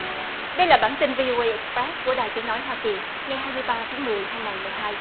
đây là bản tin viu ây ịc bờ rét của đài tiếng nói hoa kỳ ngày hai mươi ba tháng mười hai ngàn mười hai